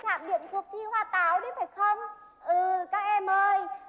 trạm điện cuộc thi hoa táo đấy phải không ừ các em ơi